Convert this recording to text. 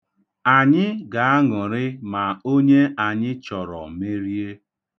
Anyị ga-aṅụrị ma onye anyị chọrọ merie.